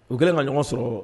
U kɛlen ka ɲɔgɔn sɔrɔ